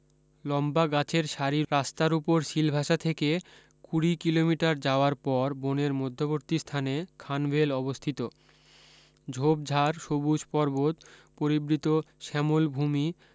লম্বা গাছের সারির রাস্তার উপর সিলভাসা থেকে কুড়ি কিলোমিটার যাওয়ার পর বনের মধ্যাবর্তী স্থানে খানভেল অবস্থিত ঝোপ ঝাড় সবুজ পর্বত পরিবৃত শ্যামল ভুমি